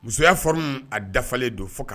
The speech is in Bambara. Musoya forme a dafalen don fo ka